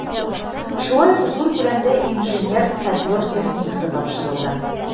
Шулай ук зур күләмдә инженер-сапер техникасы тапшырылды.